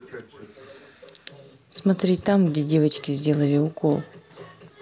смотреть где там девочке сделали укол